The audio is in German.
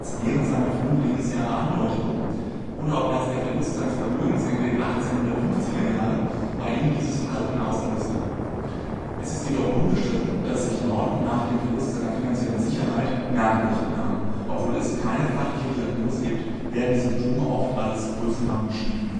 während seiner frühen Lebensjahre andeuteten oder ob erst der Verlust seines Vermögens in den 1850er Jahren bei ihm dieses Verhalten auslöste. Es ist jedoch unbestritten, dass sich Norton nach dem Verlust seiner finanziellen Sicherheit merkwürdig benahm; obwohl es keine fachliche Diagnose gibt, werden die Symptome oft als Größenwahn beschrieben